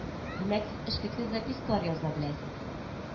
Димәк сез эшлекле запискалар яза беләсез